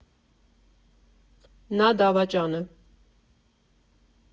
Նա դավաճան է։